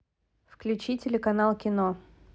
включи телеканал кино